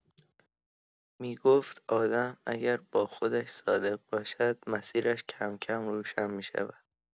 می‌گفت آدم اگر با خودش صادق باشد، مسیرش کم‌کم روشن می‌شود.